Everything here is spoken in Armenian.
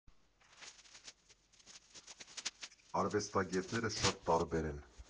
Արվեստագետները շատ տարբեր են։